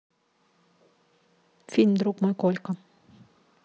фильм друг мой колька